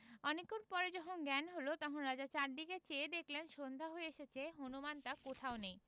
অনেকক্ষণ পরে যখন জ্ঞান হল তখন রাজা চারদিক চেয়ে দেখলেন সন্ধ্যা হয়ে এসেছে হুনুমানটা কোথাও নেই